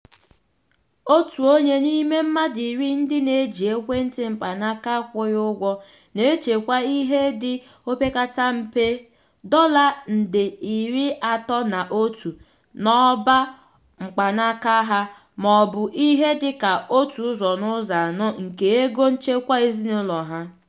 Otu onye n'ime mmadụ iri ndị na-eji ekwentị mkpanaaka akwụghị ụgwọ na-echekwa ihe dị opekata mpe $31 n'ọba mkpanaka ha, maọbụ ihe dịka otu ụzọ n'ụzọ anọ nke ego nchekwa ezinaụlọ ha.